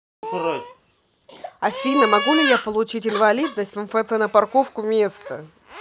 афина могу ли я получить инвалидность в мфц на парковку места